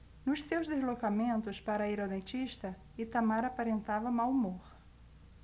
nos seus deslocamentos para ir ao dentista itamar aparentava mau humor